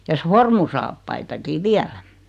ja sormussaappaitakin vielä